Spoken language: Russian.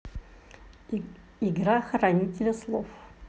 игра хранители слов